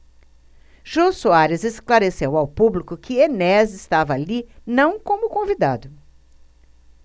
jô soares esclareceu ao público que enéas estava ali não como convidado